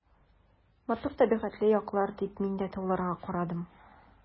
Матур табигатьле яклар, — дип мин дә тауларга карадым.